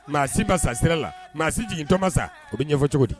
Maa si ba sa sira la maa si jigin toma sa u bɛ ɲɛfɔ cogo di